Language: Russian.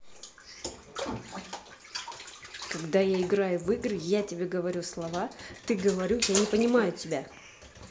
когда я играю в игры я тебе говорю слова ты говорю я не понимаю тебя